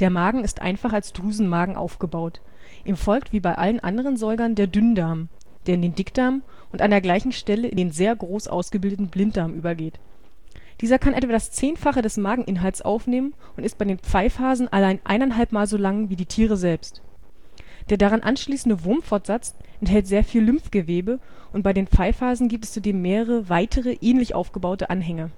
Magen ist einfach als Drüsenmagen aufgebaut, ihm folgt wie bei allen anderen Säugern der Dünndarm, der in den Dickdarm und an der gleichen Stelle in den sehr groß ausgebildeten Blinddarm übergeht. Dieser kann etwa das Zehnfache des Mageninhalts aufnehmen und ist bei den Pfeifhasen allein eineinhalb mal so lang wie die Tiere selbst. Der daran anschließende Wurmfortsatz enthält sehr viel Lymphgewebe und bei den Pfeifhasen gibt es zudem mehrere weitere, ähnlich aufgebaute Anhänge